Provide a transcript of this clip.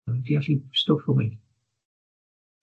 Dwi'n deal 'i stwff o weud.